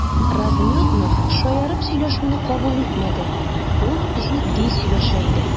Размётнов шаяртып сөйләшүне кабул итмәде, ул җитди сөйләшә иде.